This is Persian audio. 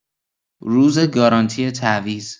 روز گارانتی تعویض